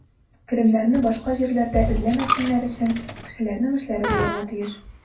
Керемнәрне башка җирләрдә эзләмәсеннәр өчен, кешеләрнең эшләре булырга тиеш.